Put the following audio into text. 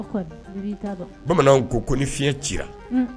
Bamananw ko ko ni fiɲɛ ci la